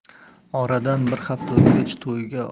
oradan bir hafta o'tgach tuyaga